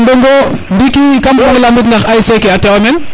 Ndongo ndiki kam bug ongo lamit ndax ASC ke a tewa meen